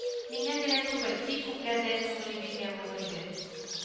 Миннән генә түгел, бик күпләрдән күңеле бизгән булыр иде